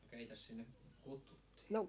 no keitäs sinne kutsuttiin